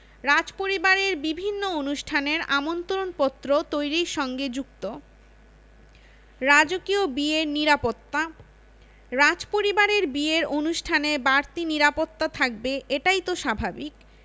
রাজপরিবারের বিভিন্ন অনুষ্ঠানের আমন্ত্রণপত্র তৈরির সঙ্গে যুক্ত রাজকীয় বিয়ের নিরাপত্তা রাজপরিবারের বিয়ের অনুষ্ঠানে বাড়তি নিরাপত্তা থাকবে এটাই তো স্বাভাবিক